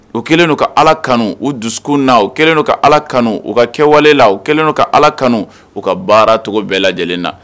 O kɛlen don u ka ala kanu u dusu na u kɛlen u ka ala kanu u ka kɛwalela u kɛlen u ka ala kanu u ka baaracogo bɛɛ lajɛ lajɛlen na